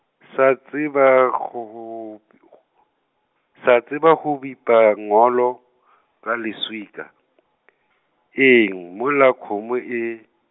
sa tseba go ropi- , sa tseba go bipa ngolo , ka leswika , eng mola kgomo e.